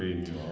mbay mi waaw